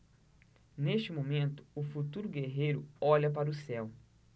neste momento o futuro guerreiro olha para o céu